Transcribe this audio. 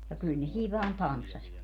ja kyllä ne siinä vain tanssasivatkin